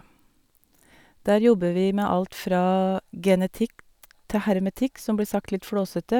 Der jobber vi med alt fra genetikk til hermetikk, som blir sagt litt flåsete.